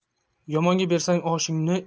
yomonga bersang oshingni